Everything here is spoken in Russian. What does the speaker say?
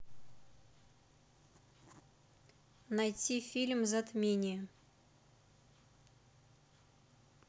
найди фильм затмение